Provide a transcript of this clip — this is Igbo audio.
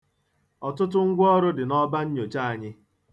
Ọtụtụ ngwa ọrụ dị n'ọbannyòcha anyị.